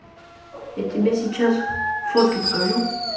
я тебе сейчас фотки покажу